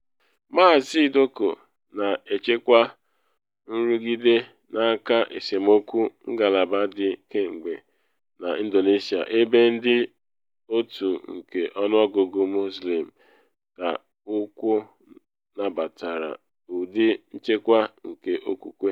Maazị Joko na echekwa nrụgide n’aka esemokwu ngalaba dị kemgbe na Indonesia, ebe ndị otu nke ọnụọgụgụ Muslim ka ukwuu nabatara ụdị nchekwa nke okwukwe.